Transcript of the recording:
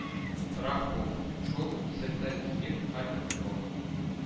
Торак пункт (шул исәптән киев, харьков, львов,